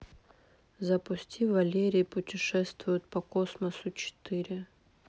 запусти валерий путешествует по космосу четыре